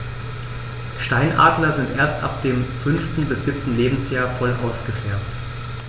Steinadler sind erst ab dem 5. bis 7. Lebensjahr voll ausgefärbt.